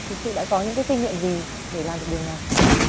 thực sự đã có những kinh nghiệm gì để làm được điều này